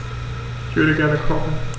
Ich würde gerne kochen.